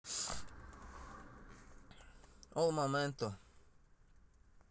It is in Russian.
al momento